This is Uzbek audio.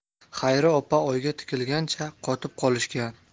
xayri opa oyga tikilgancha qotib qolishgan